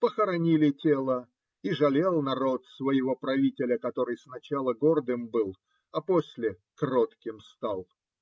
Похоронили тело, и жалел народ своего правителя, который сначала гордым был, а после кротким стал.